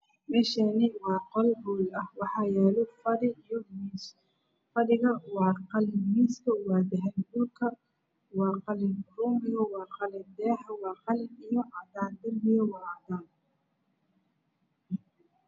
Meeshaan waa qol waxaa yaalo fadhi iyo miis. Fadhiga waa qalin. Miiska waa dahabi. Dhulkana waa qalin, rooga waa qalin. Daahana waa qalin iyo cadaan , darbiga waa cadaan.